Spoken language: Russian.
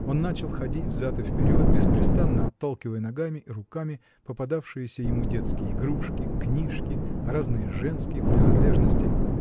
Он начал ходить взад и вперед, беспрестанно отталкивая ногами и руками попадавшиеся ему детские игрушки, книжки, разные женские принадлежности